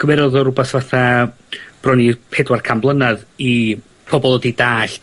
gymerodd o rwbath fatha bron i pedwar can blynedd i pobol 'di dallt